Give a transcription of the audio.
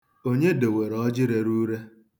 Onye dowere ọjị rere ure?